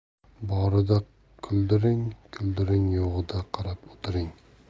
borida kuldiring kuldiring yo'g'ida qarab o'tiring